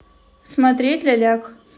смотреть ляляк